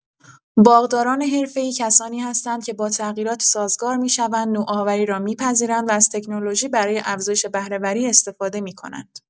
باغداران حرفه‌ای کسانی هستند که با تغییرات سازگار می‌شوند، نوآوری را می‌پذیرند و از تکنولوژی برای افزایش بهره‌وری استفاده می‌کنند.